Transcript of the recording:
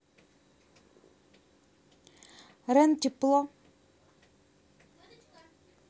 рен тепло